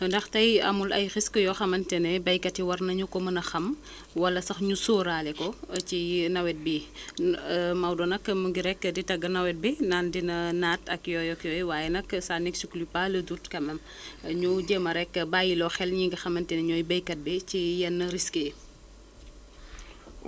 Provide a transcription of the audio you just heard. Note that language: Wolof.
ndax tey amul ay ay risques yoo xamante ne béykat yi war nañu ko mën a xam wala sax ñu sóoraale ko ci nawet bii Maodo nag mu ngi rek di tagg nawet bi naan dina naat ak yooyu ak yooyu waaye nag ça n' exclut pas le doute quand même ñu jéem a rek bàyyiloo xel ñi nga xamante ni ñooy béykat bi ci ci yenn risques yi